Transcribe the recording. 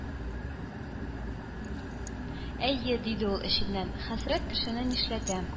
«әйе,— диде ул эченнән,—хәсрәт кешене нишләтә!»